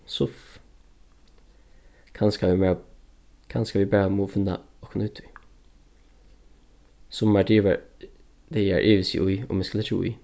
suff kanska kanska vit bara mugu finna okkum í tí summar dagar ivist eg í um eg skal leggja í